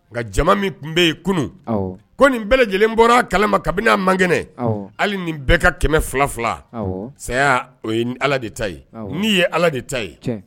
Nka jama min tun bɛ yen kunun ko nin bɛɛ lajɛlen bɔra kalama kabini' a man kɛnɛ hali nin bɛɛ ka kɛmɛ fila fila saya o ye ala de ta ye n' ye ala de ta ye